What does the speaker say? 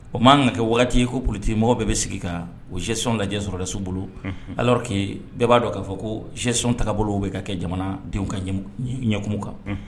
O maan ŋa kɛ wagati ye ko politique mɔgɔ bɛɛ be sigi kaa o gestion lajɛ sɔrdasiw bolo unhun alors que bɛɛ b'a dɔn k'a fɔ koo gestion tagabolow be ka kɛ jamanaadenw ka ɲɛm ɲɛkumun kan unhun